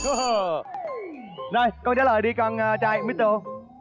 hơ rồi câu trả lời đi con trai mít đô